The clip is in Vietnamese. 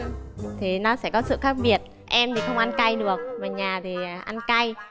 thì nó sẽ có sự khác biệt em thì không ăn cay được và nhà thì ăn cay